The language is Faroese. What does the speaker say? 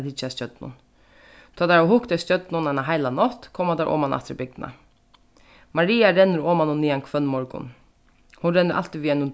at hyggja at stjørnum tá teir hava hugt eftir stjørnunum eina heila nátt koma teir oman aftur í bygdina maria rennur oman og niðan hvønn morgun hon rennur altíð við einum